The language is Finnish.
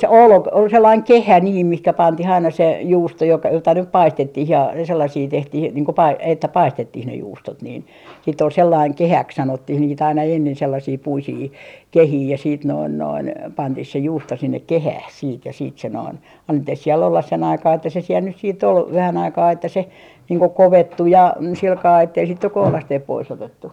oli - oli sellainen kehä niin mihin pantiin aina se juusto - jota nyt paistettiin ja sellaisia tehtiin niin kuin - että paistettiin ne juustot niin sitten oli sellainen kehäksi sanottiin niitä aina ennen sellaisia puisia kehiä ja sitten noin noin pantiin se juusto sinne kehään sitten ja sitten se noin annettiin siellä olla sen aikaa että se siellä nyt sitten oli vähän aikaa että se niin kuin kovettui ja sillä kalella että ei sitten nyt kohdasteen pois otettu